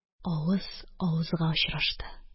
Авыз авызга очрашты